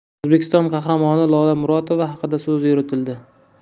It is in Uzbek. o'zbekiston qahramoni lola murotova haqida so'z yuritildi